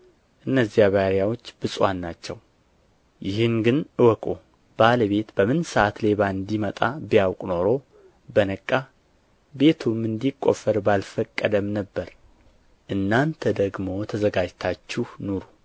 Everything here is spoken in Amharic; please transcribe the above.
እነዚያ ባሪያዎች ብፁዓን ናቸው ይህን ግን እወቁ ባለቤት በምን ሰዓት ሌባ እንዲመጣ ቢያውቅ ኖሮ በነቃ ቤቱም እንዲቆፈር ባልፈቀደም ነበር እናንተ ደግሞ ተዘጋጅታችሁ ኑሩ